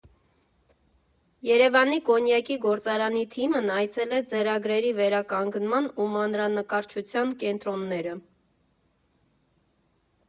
Երևանի կոնյակի գործարանի թիմն այցելեց ձեռագրերի վերականգնման ու մանրանկարչության կենտրոնները։